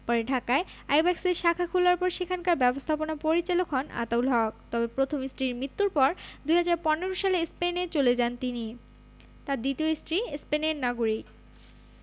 পরে ঢাকায় আইব্যাকসের শাখা খোলার পর সেখানকার ব্যবস্থাপনা পরিচালক হন আতাউল হক তবে প্রথম স্ত্রীর মৃত্যুর পর ২০১৫ সালে স্পেনে চলে যান তিনি তাঁর দ্বিতীয় স্ত্রী স্পেনের নাগরিক